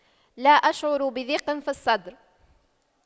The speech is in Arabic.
لا اشعر بضيق في الصدر